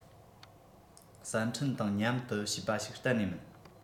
གསར འཕྲིན དང མཉམ དུ བྱས པ ཞིག གཏན ནས མིན